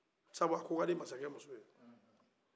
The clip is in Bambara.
sabu a ko ka di masakɛmuso ye